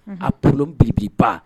A p bi biba